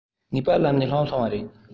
ངེས པར ལམ ནས ལྷུང སོང བ རེད